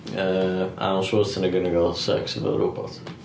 yy Arnold Schwarzenegger yn gael secs efo robot.